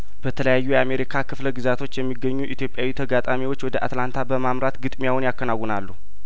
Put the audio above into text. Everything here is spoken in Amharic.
በተለያዩ የአሜሪካ ክፍለግዛቶች የሚገኙ ኢትዮጵያዊ ተጋጣሚዎች ወደ አትላንታ በማምራት ግጥሚያውን ያከናውናሉ